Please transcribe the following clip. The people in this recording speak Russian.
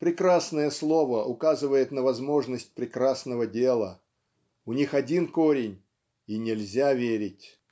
Прекрасное слово указывает на возможность прекрасного дела, у них один корень и "нельзя верить